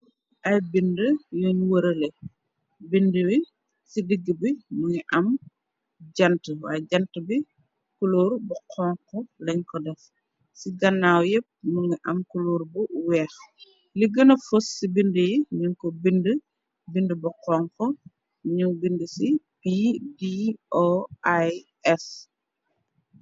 Ay binde yuoñ wërale, binde wee ci digg bi mu ngi am jante, waye jante bi kuloor bu xonko lañ ko def, ci gannaaw yépp mungi am kuloor bu weex, li gëna fas ci binde yi ñu ko binde binde bu xonxu, ñu binde ci PDOIS.